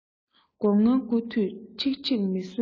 སྒོ ང རྐུ དུས ཁྲིག ཁྲིག མ ཟོས ན